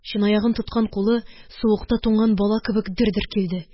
Чынаягын тоткан кулы суыкта туңган бала кебек дер-дер килде